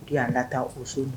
Ki a la taa o so n